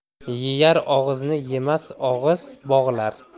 yeyar og'izni yemas og'iz bog'lar